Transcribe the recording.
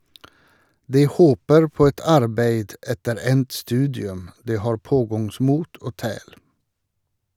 De håper på et arbeid etter endt studium , de har pågangsmot og tæl.